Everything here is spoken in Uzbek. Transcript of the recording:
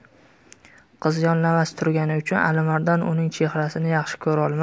qiz yonlamasi turgani uchun alimardon uning chehrasini yaxshi ko'rolmas